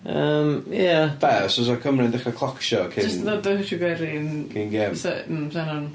Yym ia... Be? Os 'sa Cymru'n dechrau clocsio cyn... Jyst fatha dawnsio gwerin... Cyn gêm... ...'sa, mm, 'sa hynna'n...